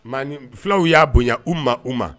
Ma fulaw y'a bonya u ma u ma